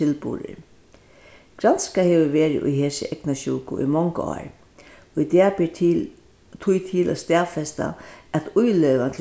tilburðir granskað hevur verið í hesi eygnasjúku í mong ár í dag ber til tí til at staðfesta at ílegan